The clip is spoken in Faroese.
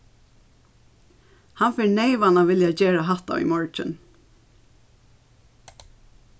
hann fer neyvan at vilja gera hatta í morgin